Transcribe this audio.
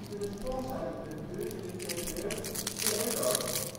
responsa-literatuur (in het Hebreeuws: Sjeëlot